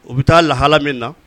U bɛ taa lahala min na